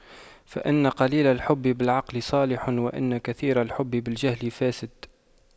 فإن قليل الحب بالعقل صالح وإن كثير الحب بالجهل فاسد